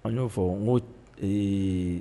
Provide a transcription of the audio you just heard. An y'o fɔ n ko ee